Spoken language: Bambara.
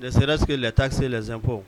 N sera lata se lazfɔ